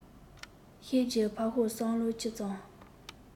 ཤེས རྒྱུ ཕར ཞོག བསམ བློ ཅི ཙམ